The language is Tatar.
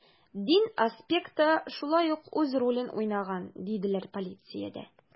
Дин аспекты шулай ук үз ролен уйнаган, диделәр полициядә.